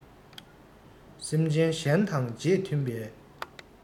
སེམས ཅན གཞན དང རྗེས མཐུན པའི